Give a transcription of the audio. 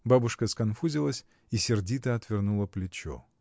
Бабушка сконфузилась и сердито отвернула плечо.